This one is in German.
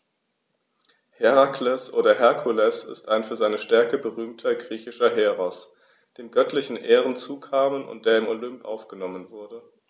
Herakles oder Herkules ist ein für seine Stärke berühmter griechischer Heros, dem göttliche Ehren zukamen und der in den Olymp aufgenommen wurde.